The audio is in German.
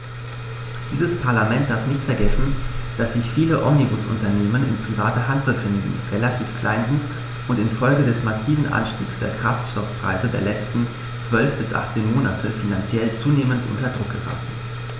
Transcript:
Dieses Parlament darf nicht vergessen, dass sich viele Omnibusunternehmen in privater Hand befinden, relativ klein sind und in Folge des massiven Anstiegs der Kraftstoffpreise der letzten 12 bis 18 Monate finanziell zunehmend unter Druck geraten.